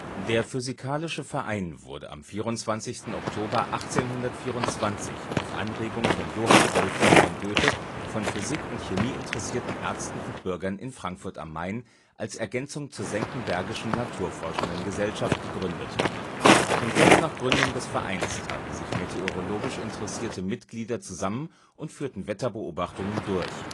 Der Physikalische Verein wurde am 24. Oktober 1824 auf Anregung von Johann Wolfgang von Goethe von physik - und chemieinteressierten Ärzten und Bürgern in Frankfurt am Main als Ergänzung zur Senckenbergischen Naturforschenden Gesellschaft gegründet. Schon kurz nach Gründung des Vereins taten sich meteorologisch interessierte Mitglieder zusammen und führten Wetterbeobachtungen durch